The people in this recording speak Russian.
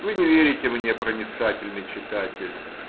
Вы не верите мне, проницательный читатель.